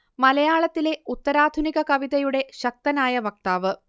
മലയാളത്തിലെ ഉത്തരാധുനിക കവിതയുടെ ശക്തനായ വക്താവ്